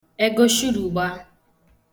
egaoshirùgba